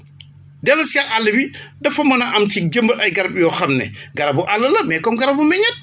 delloosiwaat àll bi dafa mën a am ci jëmbat ay garab yoo xam ne garabu çll la mais comme garabu meññeent